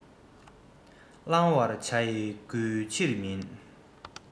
བླང བར བྱ ཡི གུས ཕྱིར མིན